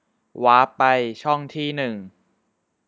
วาปไปช่องที่หนึ่ง